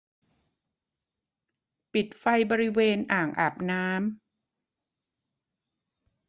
ปิดไฟบริเวณอ่างอาบน้ำ